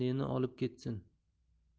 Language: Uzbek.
neni olib ketsin